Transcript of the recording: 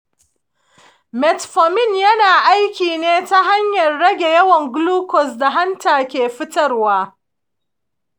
metformin yana aiki ne ta hanyar rage yawan glucose da hanta ke fitarwa.